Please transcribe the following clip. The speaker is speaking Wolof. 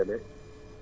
waaw